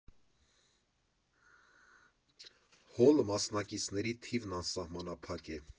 Հոլ Մասնակիցների թիվն անսահմանափակ է։